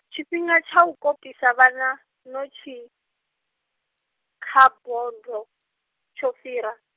tshifhinga tsha u kopisa vhana, notsi, kha bodo, tsho fhira.